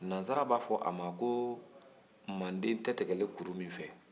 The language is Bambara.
nansara b'a fɔ a ma ko manden tɛtɛkɛlen kuru min fɛ